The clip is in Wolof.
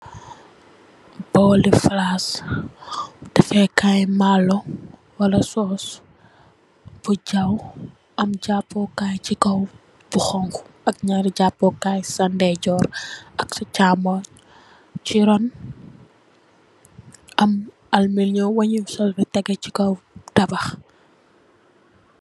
Bolli flass defokay malo wala sauce bu jaw am japokai si kaw mu xonxu ak ñarri japokai sa ndeyjorr ak si chamoñ si ron weñ yu sol di tegeh si kaw tabax.